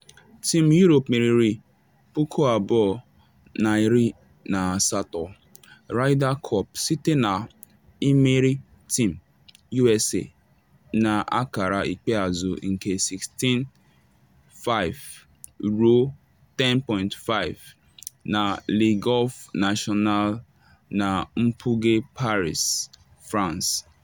Team Europe meriri 2018 Ryder Cup site na imeri Team USA na akara ikpeazụ nke 16:5 ruo 10.5 na Le Golf National na mpuga Paris, France.